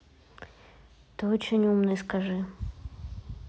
ты очень умный скажи